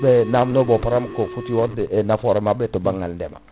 ɓe namdo mo pa* ko foti wodde e nafoore mabɓe to banggal ndeema